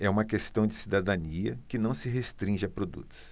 é uma questão de cidadania que não se restringe a produtos